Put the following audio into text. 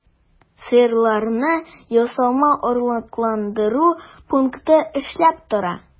Сыерларны ясалма орлыкландыру пункты эшләп тора.